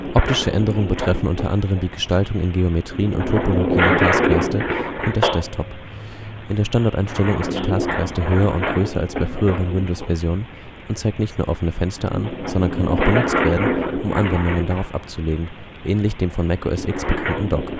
Optische Änderungen betreffen unter anderem die Gestaltung in Geometrien und Topologien der Taskleiste und des Desktop. In der Standardeinstellung ist die Taskleiste höher und größer als bei früheren Windows-Versionen und zeigt nicht nur offene Fenster an, sondern kann auch benutzt werden, um Anwendungen darauf abzulegen (ähnlich dem von Mac OS X bekannten Dock